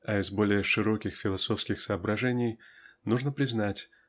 а из более широких философских соображений нужно признать